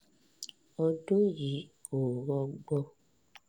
Ọdún yìí ò rọgbọ.